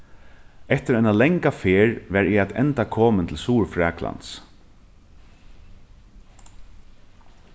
eftir eina langa ferð var eg at enda komin til suðurfraklands